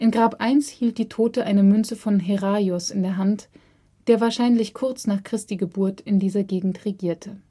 Grab 1 hielt die Tote eine Münze von Heraios in der Hand, der wahrscheinlich kurz nach Christi Geburt in dieser Gegend regierte